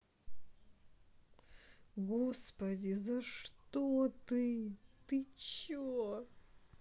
господи за что ты ты че